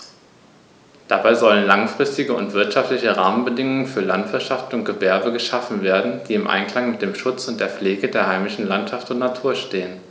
Dabei sollen langfristige und wirtschaftliche Rahmenbedingungen für Landwirtschaft und Gewerbe geschaffen werden, die im Einklang mit dem Schutz und der Pflege der heimischen Landschaft und Natur stehen.